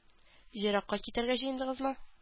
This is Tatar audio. Еракка китәргә җыендыгызмы?